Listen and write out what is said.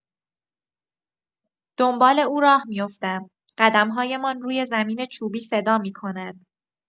دنبال او راه می‌افتم، قدم‌هایمان روی زمین چوبی صدا می‌کند.